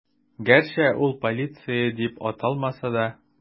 Гәрчә ул полиция дип аталмаса да.